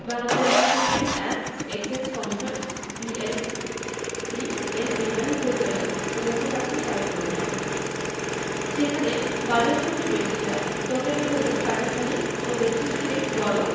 Bangladesh securities and exchange commission BSEC এর নির্বাহী পরিচালক ও মুখপাত্র সাইফুর রহমান সেখানে বাজারসংশ্লিষ্ট ব্যক্তিরা পতনের জন্য প্রাতিষ্ঠানিক ও ব্যক্তিশ্রেণির বড়